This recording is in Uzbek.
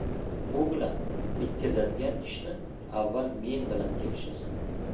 u bilan bitkazadigan ishni avval men bilan kelishasan